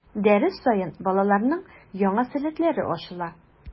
Дәрес саен балаларның яңа сәләтләре ачыла.